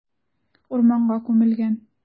Урманга күмелгән.